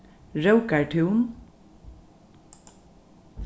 rókartún